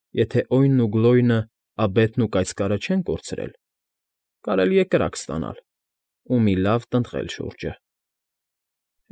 Եթե Օյնն ու Գլոյնը աբեթն ու կայծքարը չեն կորցրել, կարելի է կրակ ստանալ ու մի լավ տնտղել շուրջը։